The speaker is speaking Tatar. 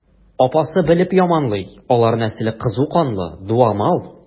Апасы белеп яманлый: алар нәселе кызу канлы, дуамал.